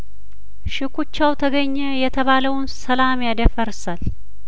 ሽኩቻው ተገኘ የተባለውን ሰላም ያደፈርሳል